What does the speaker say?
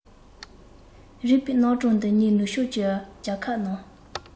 རིག པའི རྣམ གྲངས འདི ཉིད ནུབ ཕྱོགས པའི རྒྱལ ཁབ ནང